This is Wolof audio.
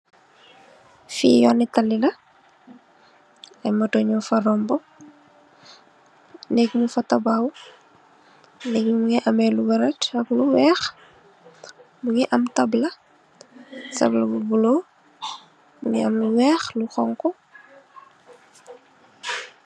Fi yooni tali ay moto nung fa rombu, nèeg mung fa tabahu. Nèeg bi mungi ameh lu vert ak lu weeh , mungi am taabla, taabla bu bulo, mungi am lu weeh, lu honku.